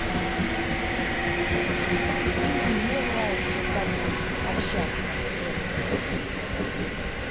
и мне нравится с тобой общаться это